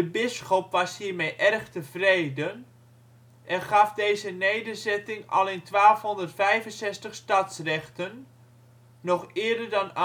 bisschop was hiermee erg tevreden en gaf deze nederzetting al in 1265 stadsrechten (nog eerder dan Amsterdam